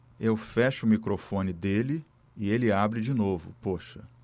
eu fecho o microfone dele ele abre de novo poxa